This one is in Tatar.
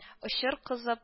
Очыр кызып